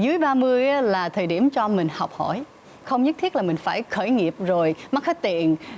dưới ba mươi là thời điểm cho mình học hỏi không nhất thiết là mình phải khởi nghiệp rồi mất hết tiền